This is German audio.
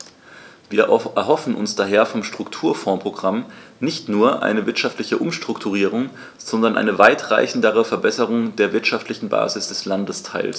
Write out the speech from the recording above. Wir erhoffen uns daher vom Strukturfondsprogramm nicht nur eine wirtschaftliche Umstrukturierung, sondern eine weitreichendere Verbesserung der wirtschaftlichen Basis des Landesteils.